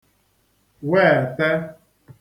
weète